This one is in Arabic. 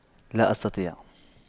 لا أستطيع